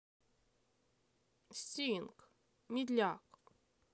стинг медляк